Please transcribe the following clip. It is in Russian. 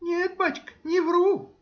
— Нет, бачка, не вру!